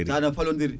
tawa no falodiri